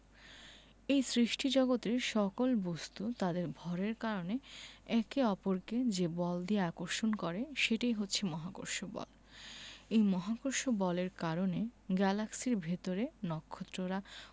এই সৃষ্টিজগতের সকল বস্তু তাদের ভরের কারণে একে অপরকে যে বল দিয়ে আকর্ষণ করে সেটাই হচ্ছে মহাকর্ষ বল এই মহাকর্ষ বলের কারণে গ্যালাক্সির ভেতরে নক্ষত্ররা